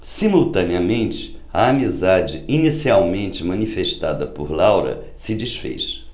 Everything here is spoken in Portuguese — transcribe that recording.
simultaneamente a amizade inicialmente manifestada por laura se disfez